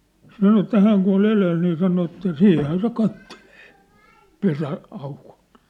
sanoi että hän kun oli edellä niin sanoi että siinähän se katselee - pesäaukolta